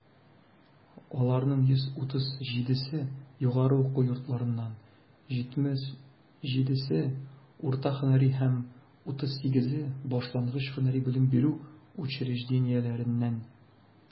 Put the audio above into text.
Аларның 137 се - югары уку йортларыннан, 77 - урта һөнәри һәм 38 башлангыч һөнәри белем бирү учреждениеләреннән.